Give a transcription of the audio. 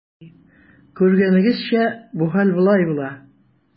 Күргәнегезчә, бу хәл болай була.